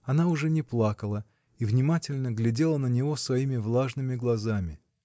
Она уже не плакала и внимательно глядела на него своими влажными глазами.